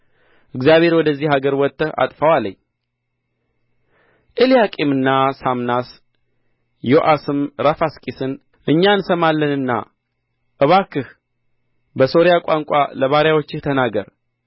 እግዚአብሔር ወደዚህ አገር ወጥተህ አጥፋው አለኝ ኤልያቄምና ሳምናስ ዮአስም ራፋስቂስን እኛ እንሰማለንና እባክህ በሶርያ ቋንቋ ለባሪያዎችህ ተናገር